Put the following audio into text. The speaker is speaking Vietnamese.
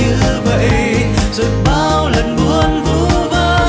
như vậy rồi bao lần buồn vu vơ